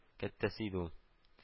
Кәттәсе иде ул